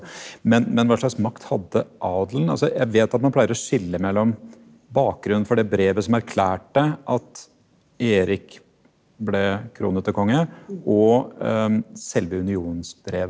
men men hva slags makt hadde adelen altså jeg vet at man pleier å skille mellom bakgrunnen for det brevet som erklærte at Erik ble kronet til konge og selve unionsbrevet.